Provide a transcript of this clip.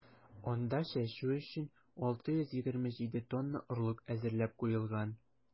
Анда чәчү өчен 627 тонна орлык әзерләп куелган.